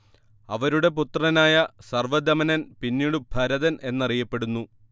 അവരുടെ പുത്രനായ സർവദമനൻ പിന്നീടു ഭരതൻ എന്നറിയപ്പെടുന്നു